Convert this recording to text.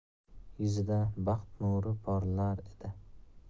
yuzida baxt nuri porlar edi